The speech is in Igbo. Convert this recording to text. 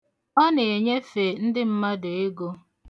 Ọ na-enyefe ndị mmadụ ego.